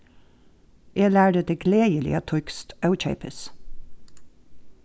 eg læri teg gleðiliga týskt ókeypis